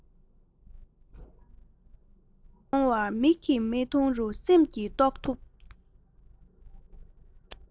ཐར ཐོར དུ གཏོར བ མིག གིས མི མཐོང རུང སེམས ཀྱིས རྟོགས ཐུབ